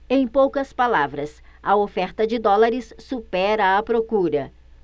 em poucas palavras a oferta de dólares supera a procura